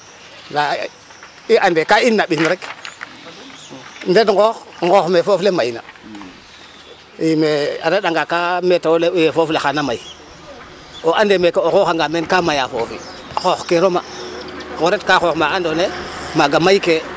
Ndaa i andee ka i naɓin rek ndet nqoox, nqoox me foof le mayna i mais a re'anga metewo : kaa layu yee foof le xay ta may o ande meeke o xooxanga meen ka maya foofi xooxkiro ma ko retka xoox ma andoona yee maaga maykee.